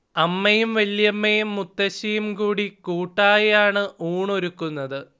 അമ്മയും വല്യമ്മയും മുത്തശ്ശിയും കൂടി കൂട്ടായാണ് ഊണൊരുക്കുന്നത്